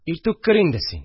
Иртүк кер инде син